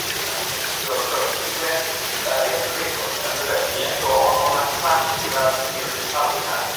yn ystod beth o'dd diwedd yy Ebrill o'dd e on'd yfe? Ie. So o' o'dd 'na clash gyda'r Giro d'Italia